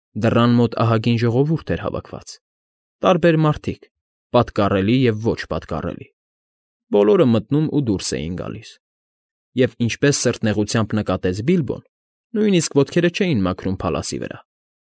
Դռան մոտ ահագին ժողովուրդ էր հավաքված, տարբեր մարդիկ՝ պատկառելի և ոչ պատկառելի, բոլորը մտնում ու դուրս էին գալիս և, ինչպես սրտնեղությամբ նկատեց Բիլբոն, նույնիսկ ոտքերը չէին մաքրում փալասի վրա։